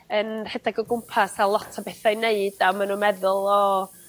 yn rhedeg o gwmpas a lot o betha i neud a ma' nw'n meddwl o